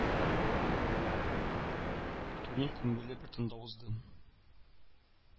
Турнир күңелле, бер тында узды